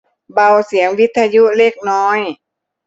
เบาเสียงวิทยุเล็กน้อย